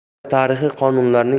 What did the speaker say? barcha tarixiy qonunlarning